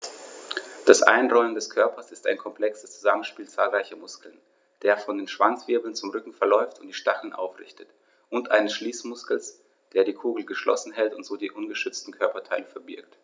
Das Einrollen des Körpers ist ein komplexes Zusammenspiel zahlreicher Muskeln, der von den Schwanzwirbeln zum Rücken verläuft und die Stacheln aufrichtet, und eines Schließmuskels, der die Kugel geschlossen hält und so die ungeschützten Körperteile verbirgt.